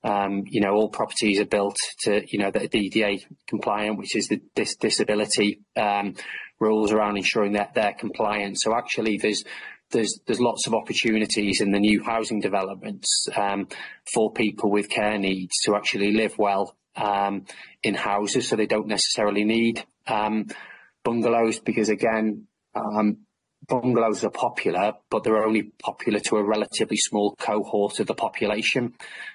um you know all properties are built to you know the DDA compliant which is the dis- disability um rules around ensuring that their compliance so actually there's there's there's lots of opportunities in the new housing developments um for people with care needs to actually live well um in houses so they don't necessarily need um bungalows because again um bungalows are popular but they're only popular to a relatively small cohort of the population.